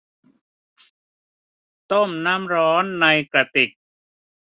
ต้มน้ำร้อนในกระติก